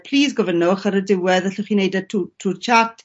plîs gofynnwch ar y diwedd allwch chi neud e tw- trw'r chat